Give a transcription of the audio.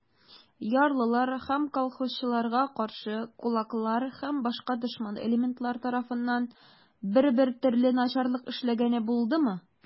Ярлылар һәм колхозчыларга каршы кулаклар һәм башка дошман элементлар тарафыннан бер-бер төрле начарлык эшләнгәне булдымы?